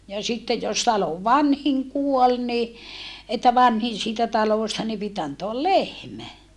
ja sitten jos talon vanhin kuoli niin että vanhin siitä talosta niin piti antaa lehmä